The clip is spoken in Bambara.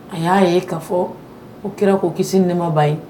A y'a ye k'a fɔ ko kira ko kisi ni nɛma b'a ye